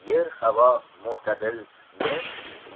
yer havo motadil